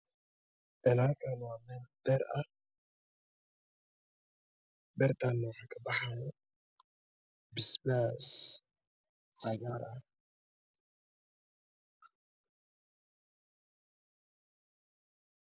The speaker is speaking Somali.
Halkaan waxaa meel beer ah waxaa kabaxaayo basbaas cagaar ah.